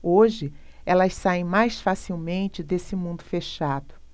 hoje elas saem mais facilmente desse mundo fechado